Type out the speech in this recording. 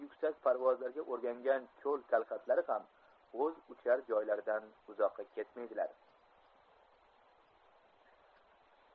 yuksak parvozlarga o'rgangan cho'l kalxatlari ham o'z uchar joylaridan uzoqqa ketmaydilar